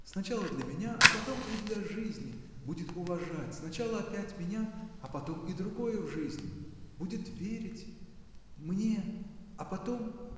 сначала для меня, а потом и для жизни, будет уважать, сначала опять меня, а потом и другое в жизни, будет верить. мне, а потом.